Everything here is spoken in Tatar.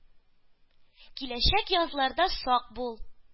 Киләчәк язларда сак бул,